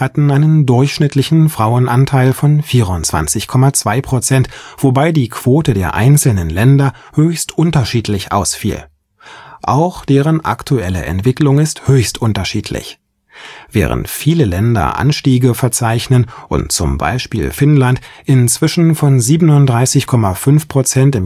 einen durchschnittlichen Frauenanteil von 24,2 %, wobei die Quote der einzelnen Länder höchst unterschiedlich ausfiel. Auch deren aktuelle Entwicklung ist höchst unterschiedlich. Während viele Länder Anstiege verzeichnen und z.B. Finnland inzwischen von 37,5 %